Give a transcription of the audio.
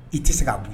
I tɛ se k'a bɔ ye